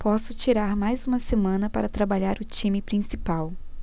posso tirar mais uma semana para trabalhar o time principal